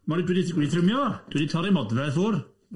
Dwi wedi thrymio, dwi wedi torri modfedd ffwrdd.